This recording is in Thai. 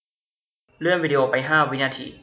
เลื่อนวีดีโอไปห้าวินาที